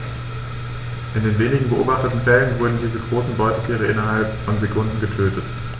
In den wenigen beobachteten Fällen wurden diese großen Beutetiere innerhalb von Sekunden getötet.